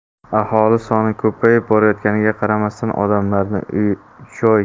aholi soni ko'payib borayotganiga qaramasdan odamlarni uy joy